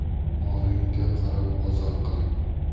boringga qarab bozor qil